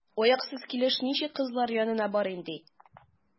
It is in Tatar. Аяксыз килеш ничек кызлар янына барыйм, ди?